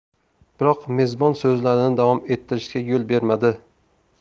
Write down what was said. biroq mezbon so'zlarini davom ettirishga yo'l bermadi